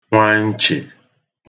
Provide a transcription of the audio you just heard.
nwanchị